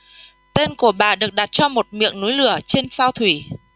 tên của bà được đặt cho một miệng núi lửa trên sao thủy